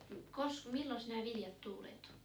- milloin nämä viljat tuleentui